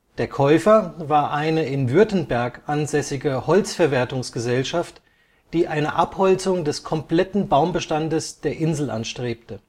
Der Käufer war eine in Württemberg ansässige Holzverwertungesellschaft, die eine Abholzung des kompletten Baumbestandes der Insel anstrebte